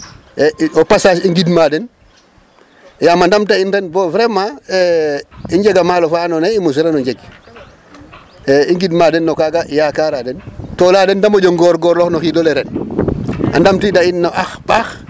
E au passage i ngidma den yaam a ndamta in ren bo vraiment e% i njega maalo fa andoona yee i mosiran o njeg e i ngidma den no kaaga yakaaraa den to lay a den da moƴo ngoorngoorloox no xiid ole ren a ndamtiid a in no ax paax .